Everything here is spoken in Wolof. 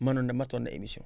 mënoon na motoon na émission